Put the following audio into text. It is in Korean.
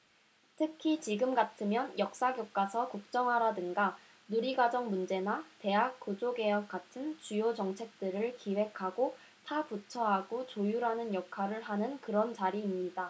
특히 지금 같으면 역사교과서 국정화라든가 누리과정 문제나 대학 구조개혁 같은 주요 정책들을 기획하고 타 부처하고 조율하는 역할을 하는 그런 자리입니다